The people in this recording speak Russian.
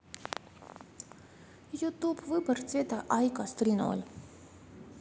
ютуб выбор цвета айкос три ноль